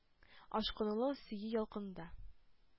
Ашкынулы сөю ялкынында